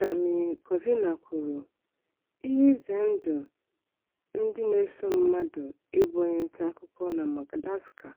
DG: Ihe ize ndụ ndị na-eso mmadụ ịbụ onye ntaakụkọ na Madagascar